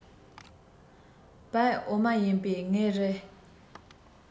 བའི འོ མ ཡིན པས ངས རའི